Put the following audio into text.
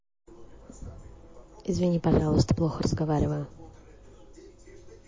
извини пожалуйста плохо разговариваю